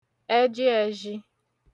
ẹji ẹzhi